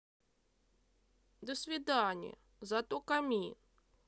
до свидания зато камин